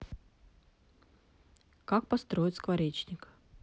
как построить скоречник